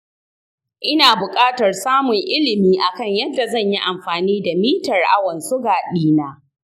ina buƙatar samun ilimi akan yadda zanyi amfani da mitar awon suga ɗina.